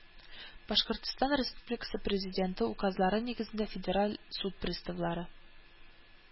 Башкортстан Республикасы Президенты указлары нигезендә Федераль суд приставлары